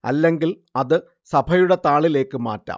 അല്ലെങ്കിൽ അത് സഭയുടെ താളിലേക്ക് മാറ്റാം